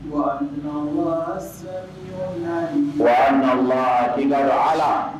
Wa sɛ wa ma deli a la